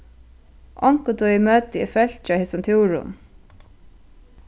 onkuntíð møti eg fólki á hesum túrum